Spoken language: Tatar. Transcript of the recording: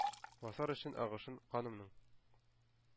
Басар өчен агышын канымның.